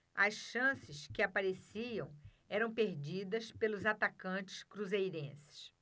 as chances que apareciam eram perdidas pelos atacantes cruzeirenses